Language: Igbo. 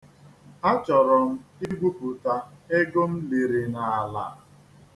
Achọrọ m igwupụta ego m liri n'ala.